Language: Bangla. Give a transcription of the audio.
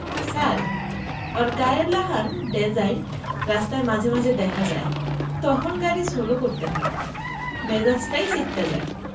ছার অর গায়ের লাহান ডেজাইন রাস্তায় মাঝে মাঝে দেহা যায় তহন গাড়ি সোলো করতে হয় মেজাজটাই চেইত্তা যায়